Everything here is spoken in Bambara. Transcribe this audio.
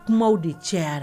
Kumaw de cayayara